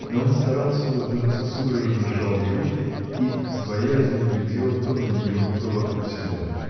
Но он старался улыбнуться, судорожно сжал ей руки и с боязнью глядел то на нее, то вокруг себя.